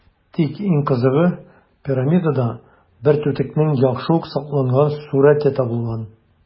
Тик иң кызыгы - пирамидада бер түтекнең яхшы ук сакланган сурəте табылган.